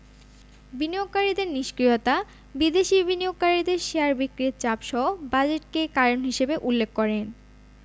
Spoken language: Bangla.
বিনিয়োগকারীদের নিষ্ক্রিয়তা বিদেশি বিনিয়োগকারীদের শেয়ার বিক্রির চাপসহ বাজেটকে কারণ হিসেবে উল্লেখ করেন